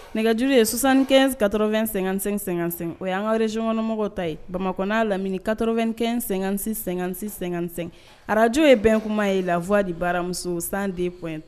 Nɛgɛjurure ye ssankkatoro2-sɛ-sɛ o ye an ka re zykɔnmɔgɔw ta ye bamakɔk laminikaoro2kɛ--sɛ2sɛsɛ ararajo ye bɛn kuma ye lafwadi baramuso san dep